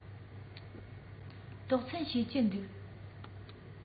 ཏོག ཚམ ཤེས ཀྱི འདུག